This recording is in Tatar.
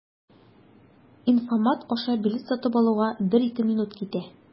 Инфомат аша билет сатып алуга 1-2 минут китә.